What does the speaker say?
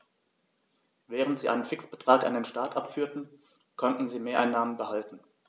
Während sie einen Fixbetrag an den Staat abführten, konnten sie Mehreinnahmen behalten.